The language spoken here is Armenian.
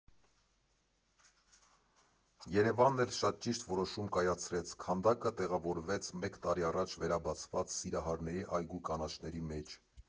Երևանն էլ շատ ճիշտ որոշում կայացրեց՝ քանդակը տեղավորվեց մեկ տարի առաջ վերաբացված Սիրահարների այգու կանաչների մեջ։